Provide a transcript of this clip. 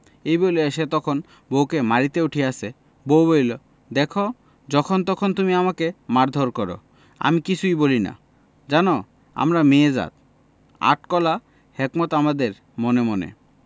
এই বলিয়া সে তখন বউকে মারিতে উঠিয়াছে বউ বলিল দেখ যখনতখন তুমি আমাকে মারধর কর আমি কিছুই বলি না জান আমরা মেয়ে জাত আট কলা হেকমত আমাদের মনে মনে